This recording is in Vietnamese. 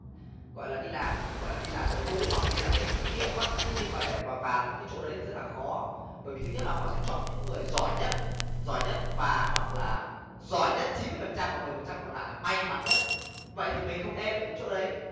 gọi là đi làm gọi là đi làm thời vụ hoặc là đi làm lấy kinh nghiệm thế nhưng mà để vào vào những cái chỗ đấy thì rất là khó bởi vì thứ nhất là họ sẽ chọn những người giỏi nhất giỏi nhất và hoặc là giỏi nhất chín mươi phần trăm và mười phần trăm còn lại là may mắn nhất vậy thì mình không êm vào những chỗ đấy